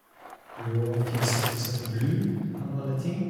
Blå, fin sykkel som heter Blue, av alle ting.